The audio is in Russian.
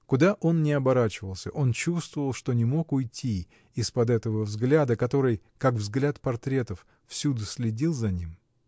Куда он ни оборачивался, он чувствовал, что не мог уйти из-под этого взгляда, который, как взгляд портретов, всюду следил за ним.